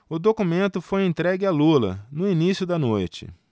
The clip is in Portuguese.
o documento foi entregue a lula no início da noite